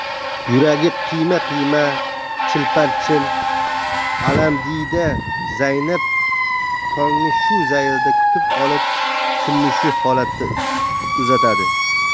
yuragi qiyma qiyma chilparchin alamdiyda zaynab tongni shu zaylda kutib olib kunni shu holatda uzatadi